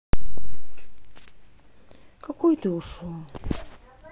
какой ты ушел